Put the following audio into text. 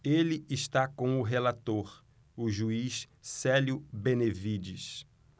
ele está com o relator o juiz célio benevides